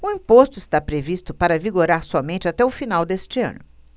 o imposto está previsto para vigorar somente até o final deste ano